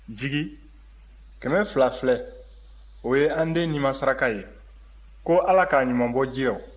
jigi kɛmɛ fila filɛ o ye an den nimaasaraka ye ko ala k'a ɲuman bɔ ji rɔ